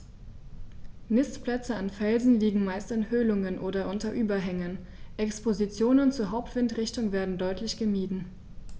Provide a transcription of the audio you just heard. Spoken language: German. Nistplätze an Felsen liegen meist in Höhlungen oder unter Überhängen, Expositionen zur Hauptwindrichtung werden deutlich gemieden.